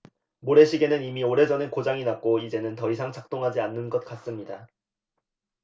모래시계는 이미 오래 전에 고장이 났고 이제는 더 이상 작동하지 않는 것 같습니다